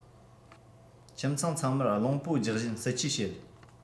ཁྱིམ ཚང ཚང མར རླུང པོ རྒྱག བཞིན བསིལ ཆས བྱེད